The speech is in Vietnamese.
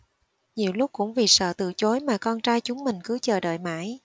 nhiều lúc cũng vì sợ từ chối mà con trai chúng mình cứ chờ đợi mãi